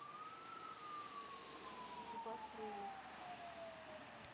экипаж трейлер